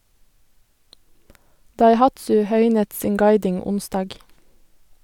Daihatsu høynet sin guiding onsdag.